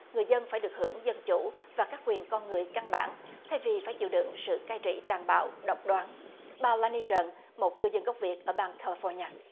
người dân phải được hưởng dân chủ và các quyền con người căn bản thay vì phải chịu đựng sự cai trị tàn bạo độc đoán bà la ni trần một cư dân gốc việt ở bang ca li phoóc ni a